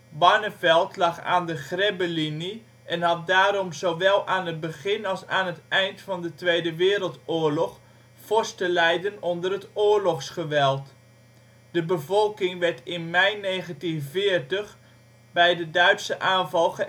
Barneveld lag aan de Grebbelinie en had daarom zowel aan het begin als het eind van de Tweede Wereldoorlog fors te lijden onder het oorlogsgeweld. De bevolking werd in mei 1940 bij de Duitse aanval